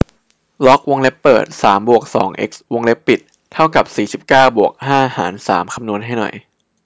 ล็อกวงเล็บเปิดสามบวกสองเอ็กซ์วงเล็บปิดเท่ากับสี่สิบเก้าบวกห้าหารสามคำนวณให้หน่อย